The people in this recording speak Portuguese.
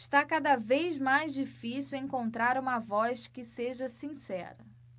está cada vez mais difícil encontrar uma voz que seja sincera